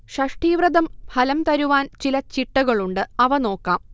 ഷഷ്ഠീവ്രതം ഫലം തരുവാൻ ചില ചിട്ടകളുണ്ട് അവ നോക്കാം